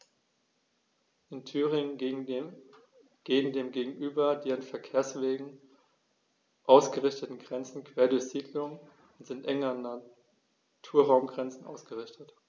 In Thüringen gehen dem gegenüber die an Verkehrswegen ausgerichteten Grenzen quer durch Siedlungen und sind eng an Naturraumgrenzen ausgerichtet.